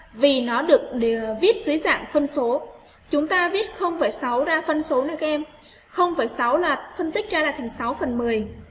vì nó được viết dưới dạng phân số chúng ta biết ra phân số liên kem là phân tích ra thành phần